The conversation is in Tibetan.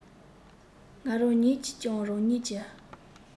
ང རང ཉིད ཀྱིས ཀྱང རང ཉིད ཀྱི